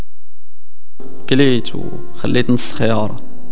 كليت وخليت نص خياره